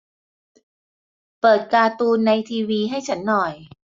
เปิดการ์ตูนในทีวีให้ฉันหน่อย